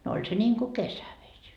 no oli se niin kuin kesävesi